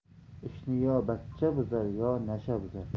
ishni yo bachcha buzar yo nasha buzar